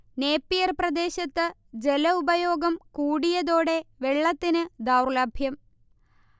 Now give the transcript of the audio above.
Napier പ്രദേശത്ത് ജലഉപയോഗം കൂടിയതോടെ വെള്ളത്തിന് ദൗർലഭ്യം